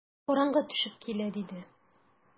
Караңгы төшеп килә, - диде.